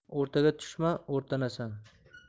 o'rtaga tushma o'rtanasan